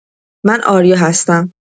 من آریا هستم.